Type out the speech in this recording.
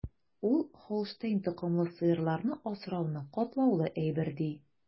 Ул Һолштейн токымлы сыерларны асрауны катлаулы әйбер, ди.